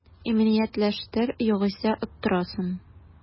Иминиятләштер, югыйсә оттырасың